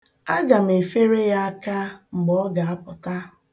Aga m efere ya aka mgbe ọ ga- pụta.